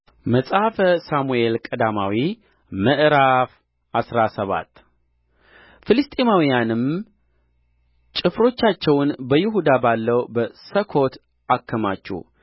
መጽሐፈ ሳሙኤል ቀዳማዊ ምዕራፍ አስራ ሰባት ፍልስጥኤማውያንም ጭፍሮቻቸውን በይሁዳ ባለው በሰኮት አከማቹ